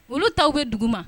Olu taw bɛ dugu ma.